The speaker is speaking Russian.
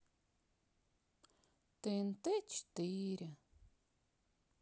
тнт четыре